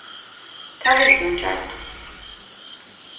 tað vildi hon gjarna